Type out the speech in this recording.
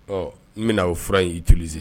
Ɔ n bɛna o fura in utiliser